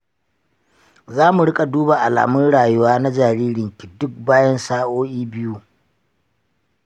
za mu riƙa duba alamun rayuwa na jaririnki duk bayan sa'o'i biyu